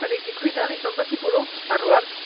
Dan ni 'di cwyno ddigon bod hi'n bwrw. A rŵan...